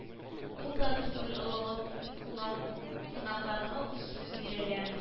Ул да түгел олылап кулан кунакларга уз сүз бирәләр